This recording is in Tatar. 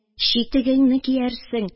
Читегеңне киярсең